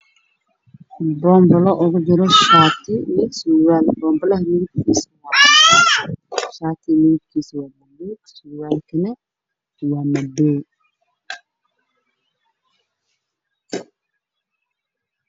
Boonbalo ugu jiro shaati iyo surwaal boombalaha midabkiisa waa cadaan shaatiga midabkiisa waa gaduud surwaalkane waa madow.